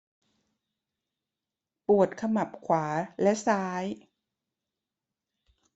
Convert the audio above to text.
ปวดขมับขวาและซ้าย